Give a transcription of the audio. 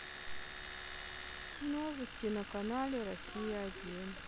новости на канале россия один